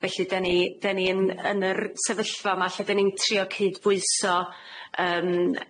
Felly 'de ni 'de ni yn yn yr sefyllfa 'ma lle 'den ni'n trio cydbwyso, yym